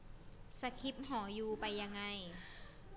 สคิปหอยูไปยังไง